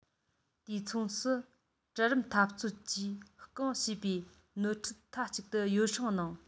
དུས མཚུངས སུ གྲལ རིམ འཐབ རྩོད ཀྱིས རྐང བྱེད པའི ནོར འཁྲུལ མཐའ གཅིག ཏུ ཡོ བསྲང གནང